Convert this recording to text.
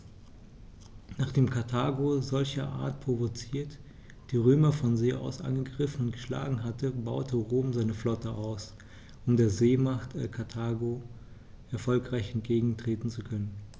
Nachdem Karthago, solcherart provoziert, die Römer von See aus angegriffen und geschlagen hatte, baute Rom seine Flotte aus, um der Seemacht Karthago erfolgreich entgegentreten zu können.